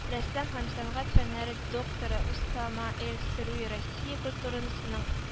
Рәссам һәм сәнгать фәннәре докторы усама эль серуи россия культуранысының